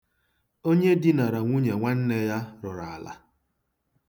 Onye dinara nwunye nna ya rụrụ ala.